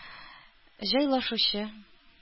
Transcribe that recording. Җайлашучы